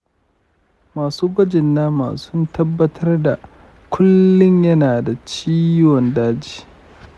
masu gwajin nama sun tabbatar da kullin yana da ciwon daji.